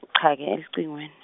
u- cha-ke ecingweni.